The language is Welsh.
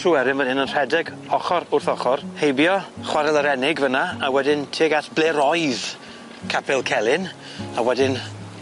Tryweryn fan hyn yn rhedeg ochor wrth ochor heibio chwarel yr Enig fyn 'na a wedyn tuag at ble roedd capel Celyn a wedyn